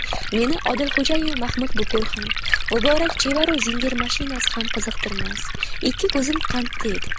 meni odilxo'jayu mahmud bukur ham muborak chevaru zinger mashinasi ham qiziqtirmas ikki ko'zim qandda edi